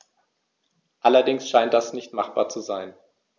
Allerdings scheint das nicht machbar zu sein.